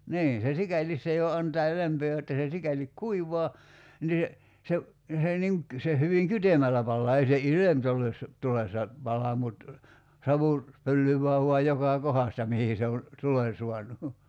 niin se sikäli se jo antaa lämpöä jotta se sikäli kuivaa niin se se se niin - se hyvin kytemällä palaa ei se ilmitulessa - pala mutta savu pöllyää vain joka kohdasta mihin se on tulen saanut